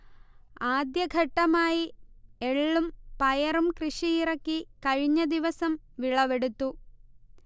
ആദ്യഘട്ടമായി എള്ളും പയറും കൃഷിയിറക്കി കഴിഞ്ഞദിവസം വിളവെടുത്തു